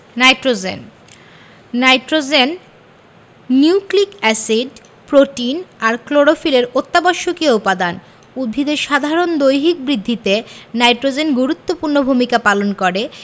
nitrogen nitrogen nucleic acid protein আর ক্লোরোফিলের অত্যাবশ্যকীয় উপাদান উদ্ভিদের সাধারণ দৈহিক বৃদ্ধিতে নাইট্রোজেন গুরুত্বপূর্ণ ভূমিকা পালন করে